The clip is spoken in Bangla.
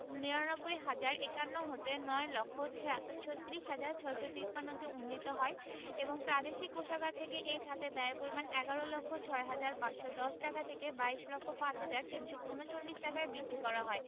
৯৯ হাজার ৫১ হতে ৯ লক্ষ ছিয়া ৩৬ হাজার ৬৫৩ তে উন্নীত হয় এবং প্রাদেশিক কোষাগার থেকে এ খাতে ব্যয়ের পরিমাণ ১১ লক্ষ ৬ হাজার ৫১০ টাকা থেকে ২২ লক্ষ ৫ হাজার ৩৩৯ টাকায় বৃদ্ধি করা হয়